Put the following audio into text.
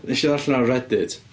Wnes i ddarllen o ar Reddit.